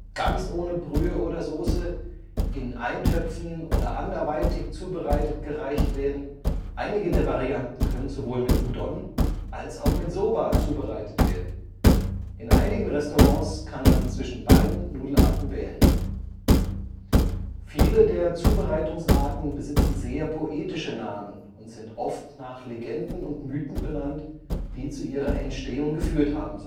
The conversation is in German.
ganz ohne Brühe oder Sauce, in Eintöpfen oder anderweitig zubereitet gereicht werden. Einige der Varianten können sowohl mit Udon als auch mit Soba zubereitet werden, in einigen Restaurants kann man zwischen beiden Nudelarten wählen. Viele der Zubereitungsarten besitzen sehr poetische Namen und sind oft nach Legenden und Mythen benannt, die zu ihrer Entstehung geführt haben